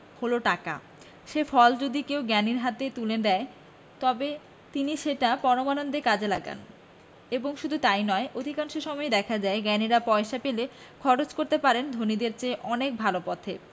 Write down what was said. হল টাকা সে ফল যদি কেউ জ্ঞানীর হাতে তুলে দেয় তবে তিনি সেটা পরমানন্দে কাজে লাগান এবং শুধু তাই নয় অধিকাংশ সময়েই দেখা যায় জ্ঞানীরা পয়সা পেলে খরচ করতে পারেন ধনীদের চেয়ে অনেক ভালো পথে